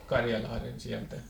Karjanlahden sieltä